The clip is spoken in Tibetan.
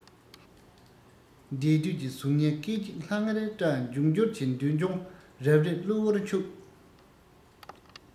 འདས དུས ཀྱི གཟུགས བརྙན སྐད ཅིག ལྷང ངེར བཀྲ འབྱུང འགྱུར གྱི མདུན ལྗོངས རབ རིབ གློ བུར འཁྱུགས